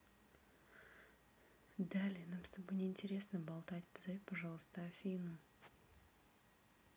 далее нам с тобой не интересно болтать позови пожалуйста афину